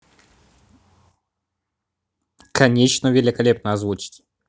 конечно великолепно озвучить